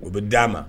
U bɛ d'a ma